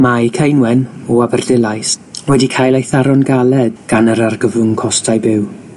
Mae Ceinwen o Aberdulais wedi cael ei tharo'n galed gan yr argyfwng costau byw.